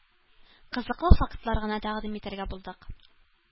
Кызыклы фактлар гына тәкъдим итәргә булдык.